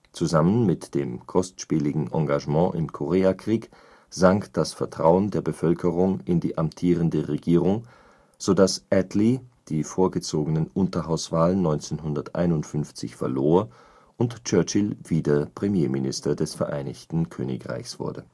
Zusammen mit dem kostspieligen Engagement im Koreakrieg sank das Vertrauen der Bevölkerung in die amtierende Regierung, sodass Attlee die vorgezogenen Unterhaus-Wahlen 1951 verlor und Churchill wieder Premierminister des Vereinigten Königreichs wurde